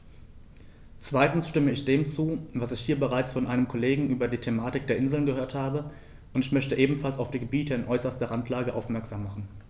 Zweitens stimme ich dem zu, was ich hier bereits von einem Kollegen über die Thematik der Inseln gehört habe, und ich möchte ebenfalls auf die Gebiete in äußerster Randlage aufmerksam machen.